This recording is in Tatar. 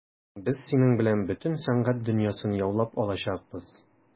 Без синең белән бөтен сәнгать дөньясын яулап алачакбыз.